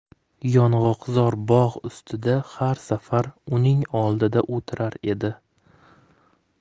yong'oqzor bog' ustida har safar uning oldida o'tirar edi